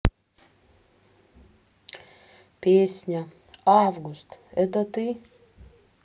песня август это ты